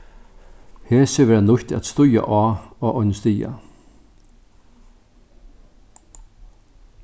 hesi verða nýtt at stíga á á einum stiga